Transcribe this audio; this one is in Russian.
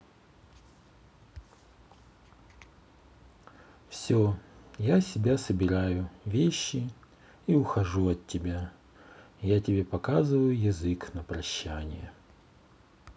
все я себя собираю вещи и ухожу от тебя я тебе показываю язык на прощание